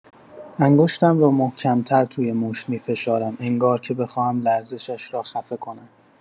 انگشتم را محکم‌تر توی مشت می‌فشارم، انگار که بخواهم لرزشش را خفه کنم.